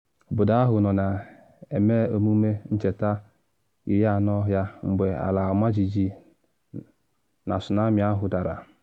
Obodo ahụ nọ na eme emume ncheta 40 ya mgbe ala ọmajiji na tsunami ahụ dara.